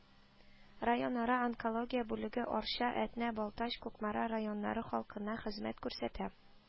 Районара онкология бүлеге Арча, Әтнә, Балтач, Кукмара районнары халкына хезмәт күрсәтә